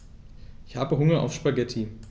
Ich habe Hunger auf Spaghetti.